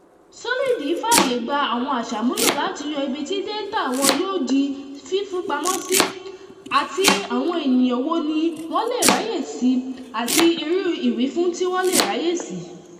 Solid fààyè gba àwọn aṣàmúlò láti yan ibi tí dátà wọn yóò di fífipamọ́ sí àti àwọn ènìyàn wo ní wọ́n le ráyè sí àti irú ìwífún tí wọ́n le ráyè sí.